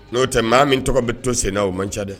N'o tɛ maa min tɔgɔ bɛ to senna o man ca dɛ